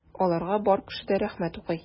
Аларга бар кеше дә рәхмәт укый.